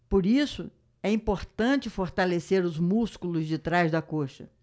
por isso é importante fortalecer os músculos de trás da coxa